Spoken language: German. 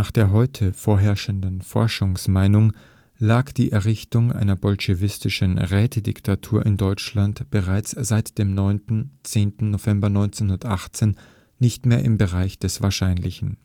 der heute vorherrschenden Forschungsmeinung lag die Errichtung einer bolschewistischen Rätediktatur in Deutschland bereits seit dem 9. / 10. November 1918 nicht mehr im Bereich des Wahrscheinlichen